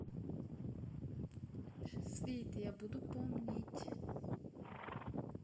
sweet я буду помнить